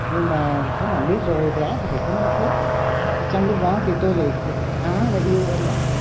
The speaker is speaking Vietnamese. nhưng mà các bạn biết rồi vẽ thì phải có năng khiếu thì trong lúc đó thì tôi lại khá là yêu âm nhạc